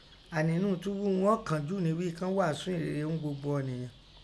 Àni ńnu tubu, ihun ọ́ kàn án ju ni ghí i ká ghaasu inhinrere un gbogbo ọ̀niyan.